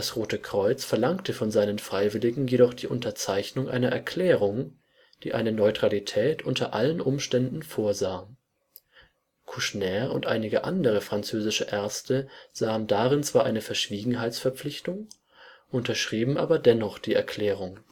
Rote Kreuz verlangte von seinen Freiwilligen jedoch die Unterzeichnung einer Erklärung, die eine Neutralität unter allen Umständen vorsah. Kouchner und einige andere französische Ärzte sahen darin zwar eine Verschwiegenheitsverpflichtung, unterschrieben dennoch die Erklärung